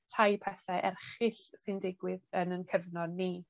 rhai pethe erchyll sy'n digwydd yn 'yn cyfnod ni.